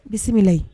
Bisimila bisimila